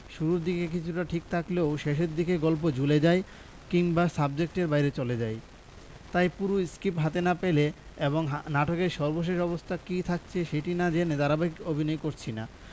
শুরুর দিকে কিছুটা ঠিক থাকলেও শেষের দিকে গল্প ঝুলে যায় কিংবা সাবজেক্টের বাইরে চলে যায় তাই পুরো স্ক্রিপ্ট হাতে না পেলে এবং নাটকের সর্বশেষ অবস্থা কী থাকছে সেটি না জেনে ধারাবাহিক অভিনয় করছি না